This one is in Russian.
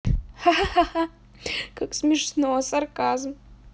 ха ха ха как смешно сарказм